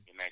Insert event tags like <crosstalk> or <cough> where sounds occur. <hesitation>